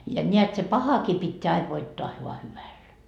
ja näet se pahakin pitää aina voittaa vain hyvällä